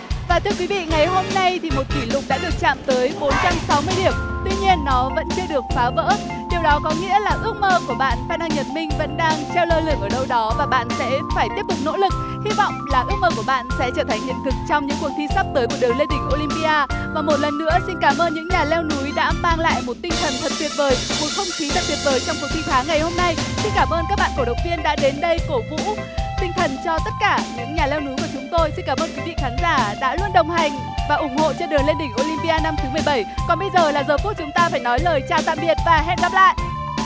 và thưa quý vị ngày hôm nay thì một kỷ lục đã được chạm tới bốn trăm sáu mươi điểm tuy nhiên nó vẫn chưa được phá vỡ điều đó có nghĩa là ước mơ của bạn phan đăng nhật minh vẫn đang treo lơ lửng ở đâu đó và bạn sẽ phải tiếp tục nỗ lực hy vọng là ước mơ của bạn sẽ trở thành hiện thực trong những cuộc thi sắp tới của đường lên đỉnh ô lim pi a và một lần nữa xin cảm ơn những nhà leo núi đã mang lại một tinh thần thật tuyệt vời một không khí thật tuyệt vời trong cuộc thi tháng ngày hôm nay xin cảm ơn các bạn cổ động viên đã đến đây cổ vũ tinh thần cho tất cả những nhà leo núi của chúng tôi xin cảm ơn quý vị khán giả đã luôn đồng hành và ủng hộ trên đường lên đỉnh ô lim pi a năm thứ mười bảy còn bây giờ là giờ phút chúng ta phải nói lời chào tạm biệt và hẹn gặp lại